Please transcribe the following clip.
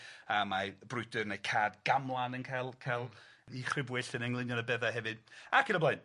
a mae brwydyr ne' Cad Gamlan yn ca'l ca'l 'i chrybwyll yn englynion y bedda hefyd ac yn y blaen.